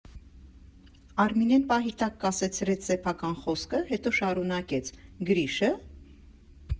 ֊ Արմինեն պահի տակ կասեցրեց սեփական խոսքը, հետո շարունակեց, ֊ Գրիշը՞։